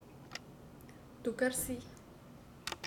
གདུགས དཀར སྐྱིད